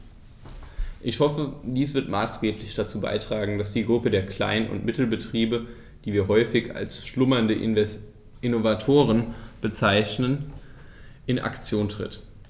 Ich hoffe, dies wird maßgeblich dazu beitragen, dass die Gruppe der Klein- und Mittelbetriebe, die wir häufig als "schlummernde Innovatoren" bezeichnen, in Aktion tritt.